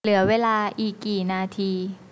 เหลือเวลาอีกกี่นาที